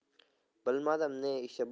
bilmadim ne ishi